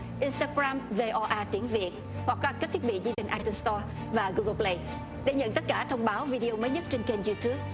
i sờ ta gờ ram vê o a tiếng việt hoặc qua các thiết bị di động ai tun sờ to và gu gồ pờ lây để nhận tất cả thông báo vi đi ô mới nhất trên kênh diu túp